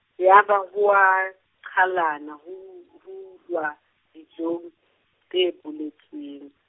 yaba ho a qhalanwa, ho uwa, dijong, tse boletsweng.